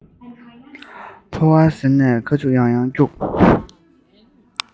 ཕོ བ གཟེར ནས ཁ ཆུ ཡང ཡང བསྐྱུགས